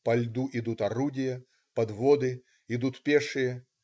По льду едут орудия, подводы, идут пешие.